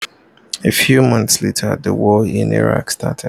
A few months later, The War in Iraq started.